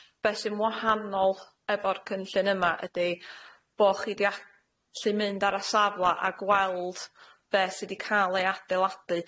be' sy'n wahanol efo'r cynllun yma ydi bo' chi 'di allu mynd ar y safle a gweld be' sy' 'di ca'l ei adeiladu.